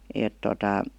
että tuota